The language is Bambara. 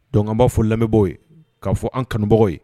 Dɔn b'a fɔ lamɛnbɔ ye k'a fɔ an kanubagaw ye